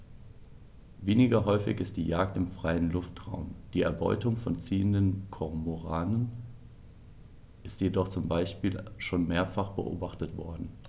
Weniger häufig ist die Jagd im freien Luftraum; die Erbeutung von ziehenden Kormoranen ist jedoch zum Beispiel schon mehrfach beobachtet worden.